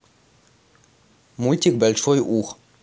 мультик большой ух